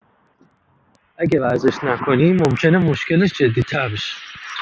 اگه ورزش نکنی ممکنه مشکلش جدی‌تر بشه.